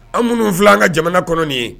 An minnu fila an ka jamana kɔnɔ nin ye